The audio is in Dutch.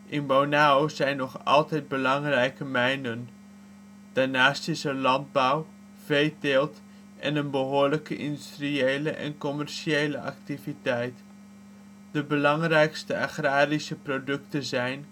In Bonao zijn nog altijd belangrijke mijnen. Daarnaast is er landbouw, veeteelt en een behoorlijk industriële en commerciële activiteit. De belangrijkste agrarische producten zijn